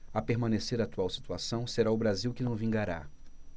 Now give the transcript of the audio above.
a permanecer a atual situação será o brasil que não vingará